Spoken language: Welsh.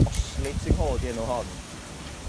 oscilating hoe 'di enw hon